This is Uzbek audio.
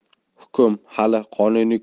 hukm hali qonuniy